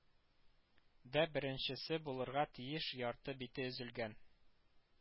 Дә беренчесе булырга тиеш ярты бите өзелгән